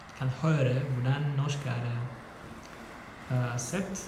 Kan høre hvordan norsk er sett.